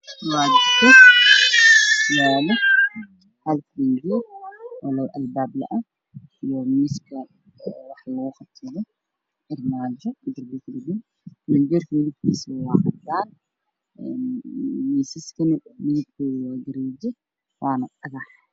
Waa qol yaalaan fadhi iyo farmaajo qolka darbigiisu waa haddaan wuxuu leeyahay albaab madoobe guduud isku jira